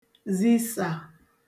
zisà